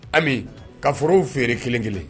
Ami, ka forow fere kelenkelen.